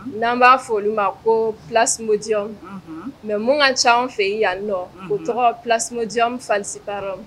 N'an b'a fɔ olu ma ko place medium, mais mun ka caa an fɛ yen o tɔgɔ ye ye placo medieum calcitarant